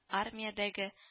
Армиядәге